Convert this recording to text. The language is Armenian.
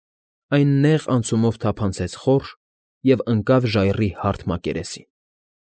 Այն նեղ անցումով թափանցեց խորշ և ընկավ ժայռի հարթ մակերեսին։